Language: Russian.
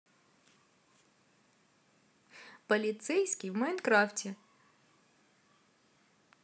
полицейский в майнкрафте